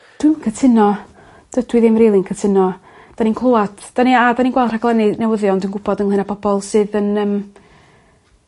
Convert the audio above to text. Dwi'm cytuno. Dydw i ddim rili yn cytuno. 'Dyn ni'n clwat 'dyn ni a 'dyn ni'n gwel' rhaglenni newyddion dwi'n gwbod ynglŷn â bobol sydd yn yym